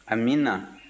amiina